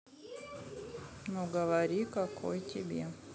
ну говори какой тебе